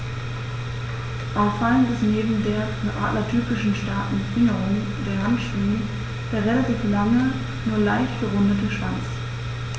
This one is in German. Auffallend ist neben der für Adler typischen starken Fingerung der Handschwingen der relativ lange, nur leicht gerundete Schwanz.